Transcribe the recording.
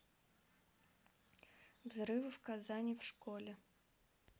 взрывы в казане в школе